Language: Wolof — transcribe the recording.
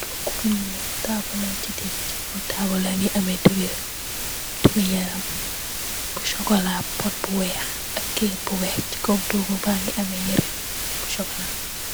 togubu null ak dew yaram bu sokolah.